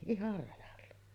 ihan rajalla